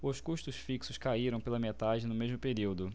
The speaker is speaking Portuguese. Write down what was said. os custos fixos caíram pela metade no mesmo período